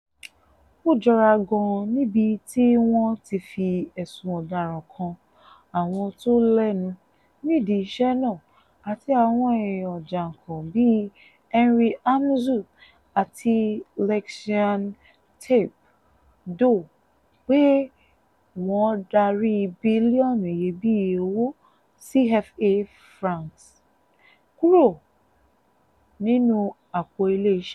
Ó jọra gan-an níbi tí wọ̀n ti fi ẹ̀sùn ọ̀daràn kan"àwọn tó lẹ́nu" nídi ìṣe náà, àti àwọn èèyàn jànkàn bí Henri Amouzou àti Luxien Tape Doh pé wọ́n darí bílíọ̀nù iyebíye owó CFA francs kúrò nínú àpò Ileeṣẹ́.